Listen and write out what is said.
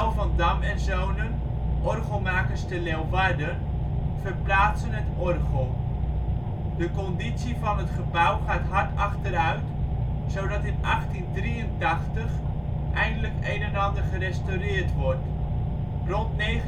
van Dam en Zonen, orgelmakers te Leeuwarden, (ver) plaatsen het orgel. De conditie van het gebouw gaat hard achteruit, zodat in 1883 eindelijk e.e.a. gerestaureerd wordt. Rond 1900